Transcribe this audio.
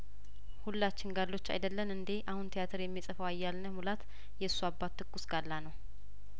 ሁላችን ጋሎች አይደለን እንዴ አሁን ቴያትር የሚጽፈው አያልነህ ሙላት የሱ አባት ትኩስ ጋላ ነው